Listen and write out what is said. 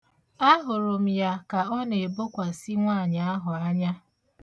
Ahụrụ m ya ka ọ na-ebokwasị nwaanyị ahụ anya.